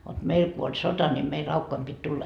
vot meillä kun oli sota niin meidän raukkojen piti tulla